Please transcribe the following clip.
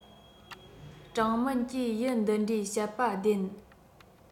ཀྲང མན གྱིས གཡུ འདི འདྲའི བཤད པ བདེན